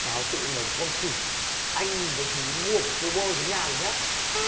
cháo tự nấu cái con khỉ anh nhìn thấy chú mua của cô bơ dưới nhà rồi nhớ